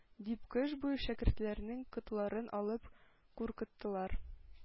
Дип кыш буе шәкертләрнең котларын алып куркыттылар.